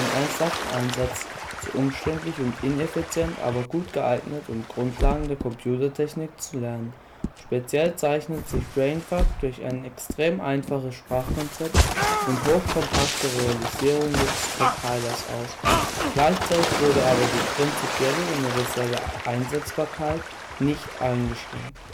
ernsthaften Einsatz zu umständlich und ineffizient, aber gut geeignet, um Grundlagen der Computertechnik zu lernen. Speziell zeichnet sich Brainfuck durch ein extrem einfaches Sprachkonzept und hochkompakte Realisierung des Compilers aus, gleichzeitig wurde aber die (prinzipielle) universelle Einsetzbarkeit nicht eingeschränkt